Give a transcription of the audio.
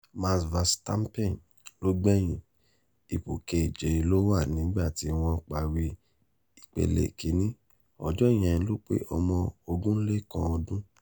Max Verstappen ló gbẹ̀yìn. Ipò kèje ló wà nígbà tí wọ́n parí ipele kìíní. Ọjọ́ yẹn ló pé ọmọ 21 ọdún.